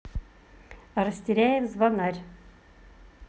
растеряев звонарь